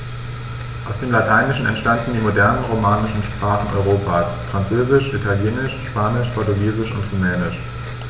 Aus dem Lateinischen entstanden die modernen „romanischen“ Sprachen Europas: Französisch, Italienisch, Spanisch, Portugiesisch und Rumänisch.